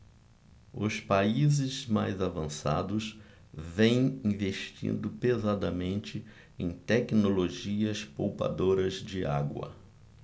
os países mais avançados vêm investindo pesadamente em tecnologias poupadoras de água